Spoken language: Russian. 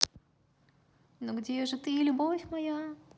ну где же ты любовь моя